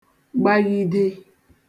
gbaghide